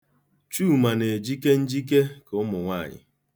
Chuma na-ejike njike ka ụmụnwaanyị.